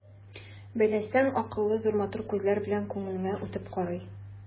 Бәйләсәң, акыллы, зур, матур күзләре белән күңелеңә үтеп карый.